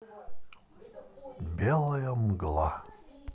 белая мгла